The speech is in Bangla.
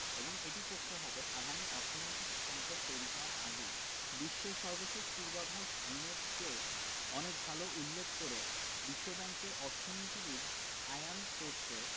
এবং এটি করতে হবে আগামী অর্থনৈতিক সংকট তৈরি হওয়ার আগেই বিশ্বের সর্বশেষ পূর্বাভাস জুনের চেয়ে অনেক ভালো উল্লেখ করে বিশ্বব্যাংকের অর্থনীতিবিদ আয়হান কোরসে